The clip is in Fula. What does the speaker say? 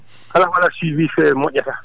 kala ko alaa suivi c' est moƴƴataa